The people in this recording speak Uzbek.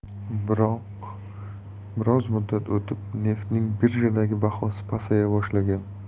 biroq biroz muddat o'tib neftning birjadagi bahosi pasaya boshlagan